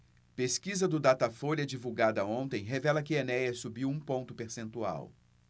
pesquisa do datafolha divulgada ontem revela que enéas subiu um ponto percentual